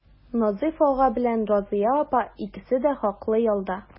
Назыйф ага белән Разыя апа икесе дә хаклы ялда.